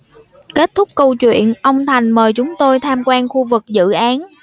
kết thúc câu chuyện ông thành mời chúng tôi tham quan khu vực dự án